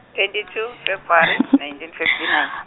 twenty two February, nineteen fifty nine.